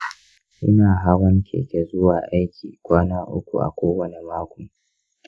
ina hawan keke zuwa aiki kwana uku a kowane mako.